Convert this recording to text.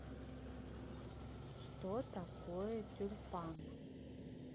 что такое тюльпан